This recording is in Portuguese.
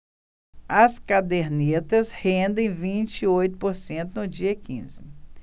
as cadernetas rendem vinte e oito por cento no dia quinze